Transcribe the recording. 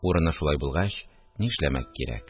Урыны шулай булгач, ни эшләмәк кирәк